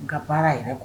Ka baara yɛrɛ